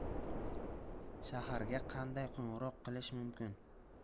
shaharga qanday qo'ng'iroq qilish mumkin